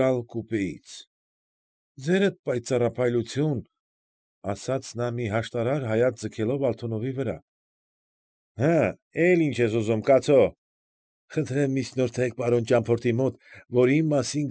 Գալ կուպեից։ ֊ Ձերդ պայծառափայլություն,֊ ասաց մի հաշտարար հայացք ձգելով Ալթունովի վրա։ ֊ Հը՛, էլի ի՞նչ ես ուզում, կացո… ֊ Խնդրեմ միջնորդեք պարոն ճամփորդի մոտ, որ իմ մասին։